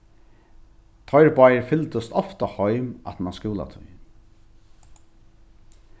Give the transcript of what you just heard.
teir báðir fylgdust ofta heim aftan á skúlatíð